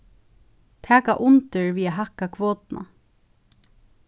taka undir við at hækka kvotuna